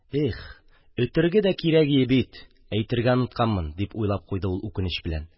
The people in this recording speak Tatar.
«их, өтерге дә кирәгие бит, әйтергә онытканмын!» – дип уйлап куйды ул, үкенеч белән.